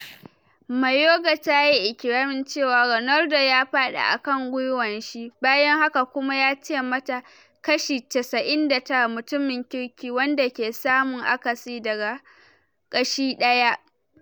Mayorga tayi ikirari cewa Ronaldo ya faɗi akan gwiwan shi bayan hakan kuma ya ce mata “kashi 99” “mutumin kirki” wanda ke samun akasi daga “kashi ɗaya”.